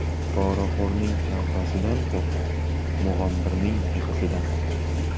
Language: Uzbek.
poraxo'rning tavbasidan qo'rq mug'ombirning yig'isidan